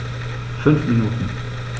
5 Minuten